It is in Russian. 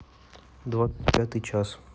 двадцать пятый час